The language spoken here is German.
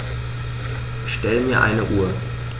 Stell mir eine Uhr.